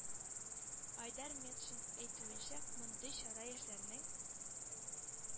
Айдар Метшин әйтүенчә, мондый чара яшьләрнең